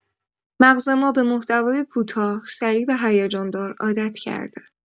مغز ما به محتوای کوتاه، سریع و هیجان‌دار عادت کرده.